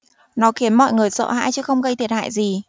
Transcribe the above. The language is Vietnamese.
nó khiến mọi người sợ hãi chứ không gây thiệt hại gì